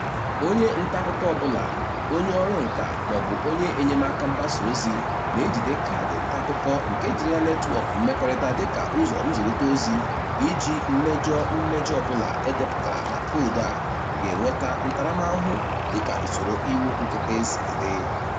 Onye ntaakụkọ ọbụla, onyeọrụ nkà maọbụ onye enyemaka mgbasaozi na-ejide kaadị ntaakụkọ nke jirila netwọk mmekọrịta dịka ụzọ nzirịta ozi iji mejọọ mmejọ ọbụla e depụtara na koodu a ga-enweta ntaramahụhụ dịka usoro iwu nkịtị siri dị.